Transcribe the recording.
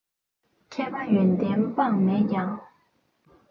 མཁས པ ཡོན ཏན དཔག མེད ཀྱང